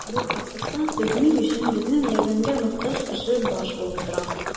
Бу процесста безнең өчен безнең ярдәмгә мохтаҗ кеше баш булып тора.